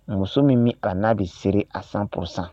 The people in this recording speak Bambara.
Muso min bɛ a n'a bɛ siri a sanpsan